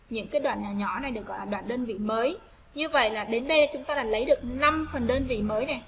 những cái đoạn nhỏ này được đơn vị mới như vậy là đến b chúng ta là lấy được phần đơn vị mới